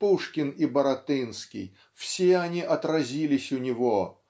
Пушкин и Баратынский -- все они отразились у него